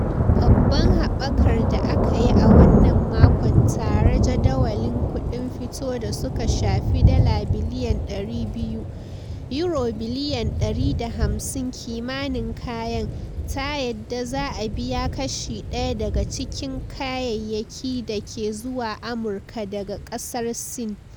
Babban haɓakar da aka yi a wannan makon tare jadawalin kuɗin fito da suka shafi dala biliyan 200 (£150 biliyan) kimanin kayan, ta yadda za a biya kashi ɗaya daga cikin kayayyaki da ke zuwa Amurka daga kasar Sin.